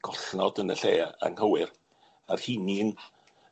gollnod yn y lle anghywir, a'r hinny'n